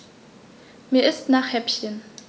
Mir ist nach Häppchen.